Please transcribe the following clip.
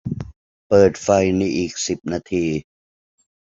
เปิดไฟในอีกสิบนาที